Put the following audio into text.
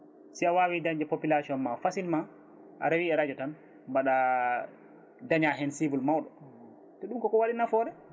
si a wawi dañde polulation ma facillement a reewi e radio tan mbaɗa daña hen cible mawɗo te ɗum koko waɗi nafoore